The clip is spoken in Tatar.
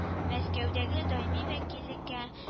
Мәскәүдәге даими вәкиллеккә